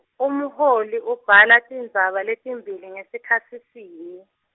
umholi ubhala tindzaba letimbili ngasikhatsi sinye.